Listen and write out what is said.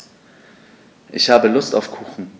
Ich habe Lust auf Kuchen.